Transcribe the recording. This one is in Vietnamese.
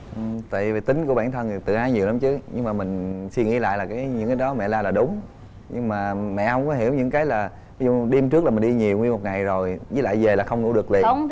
tại tính của bản thân là tự ái nhiều lắm chứ nhưng mà mình suy nghĩ lại những cái đó mẹ la là đúng nhưng mà mẹ không có hiểu những cái là ví dụ đi hôm trước là mình đi nhiều viu một ngày rồi với lại dề là không ngủ được liền